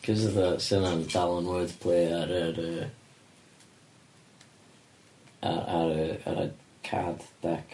'c'os fatha sa wnna'n dal yn wordplay ar yr yy a- ar y ar y card deck.